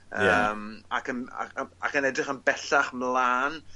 Yym ac yn ac yym ac yn edrych yn bellach mlan